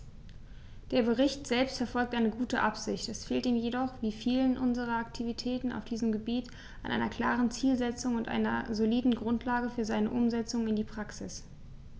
Der Bericht selbst verfolgt eine gute Absicht, es fehlt ihm jedoch wie vielen unserer Aktivitäten auf diesem Gebiet an einer klaren Zielsetzung und einer soliden Grundlage für seine Umsetzung in die Praxis.